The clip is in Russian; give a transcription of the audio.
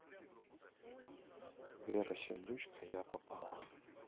вера сердючка я попала